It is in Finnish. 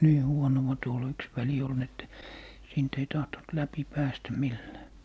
niin huonoa tuolla yksi väli oli niin että siitä ei tahtonut läpi päästä millään